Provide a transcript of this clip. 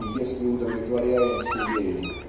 и если удовлетворяемся ею